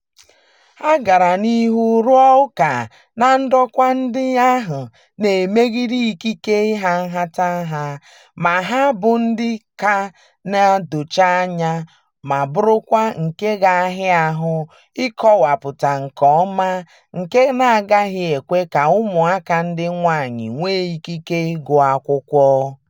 Ha gara n'ihu rụọ ụka na ndokwa ndị ahụ na-emegide ikike ịha nhatanha ma ha bụ nke na-edochaghị anya ma bụrụkwa nke ga-ahịa ahụ ịkọwapụta nke ọma nke na-agaghị ekwe ka ụmụaka ndị nwaanyị nwee ikike ịgụ akwụkwọ.